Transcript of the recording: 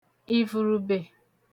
ìvùrùbè